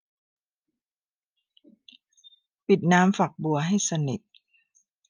ปิดน้ำฝักบัวให้สนิท